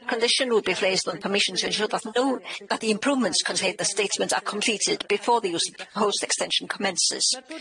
Conditions will be placed on permission to ensure that no- that the improvements contained in the statement are completed before the use of the post-extension commences.